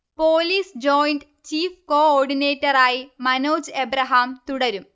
police joint chief coordinator ആയി മനോജ് ഏബ്രഹാം തുടരും